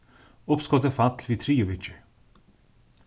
uppskotið fall við triðju viðgerð